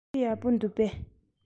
བོད ཆས ཡག པོ འདུག གས